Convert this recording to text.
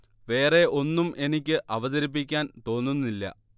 വേറെ ഒന്നും എനിക്ക് അവതരിപ്പിക്കാൻ തോന്നുന്നില്ല